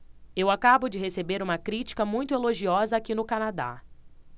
eu acabo de receber uma crítica muito elogiosa aqui no canadá